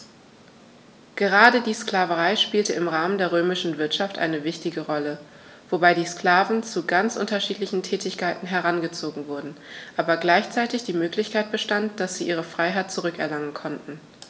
Gerade die Sklaverei spielte im Rahmen der römischen Wirtschaft eine wichtige Rolle, wobei die Sklaven zu ganz unterschiedlichen Tätigkeiten herangezogen wurden, aber gleichzeitig die Möglichkeit bestand, dass sie ihre Freiheit zurück erlangen konnten.